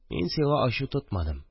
Мин сиңа ачу тотмадым